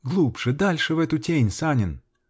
-- Глубже, дальше в эту тень, Санин!